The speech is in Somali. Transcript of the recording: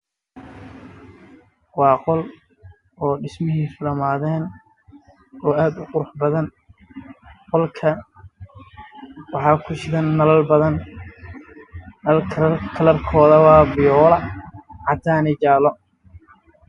Waa qol oo dhismihiisa dhamaaday oo qurux badan waxana kushidan nalal badan